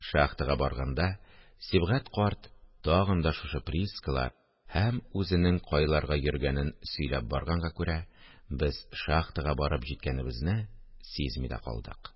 Шахтага барганда Сибгать карт тагын да шушы приискалар һәм үзенең кайларга йөргәнен сөйләп барганга күрә, без шахтага барып җиткәнебезне сизми дә калдык